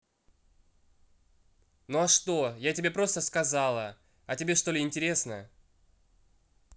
ну а что я тебе просто сказала а тебе что ли интересно